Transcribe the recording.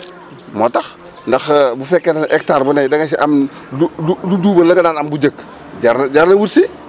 moo tax ndaxte bu fekkee hectare bu nekk danga si am lu lu double la nga daan am bu njëkk jar na wut si